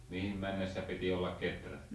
mihin mennessä piti olla kehrätty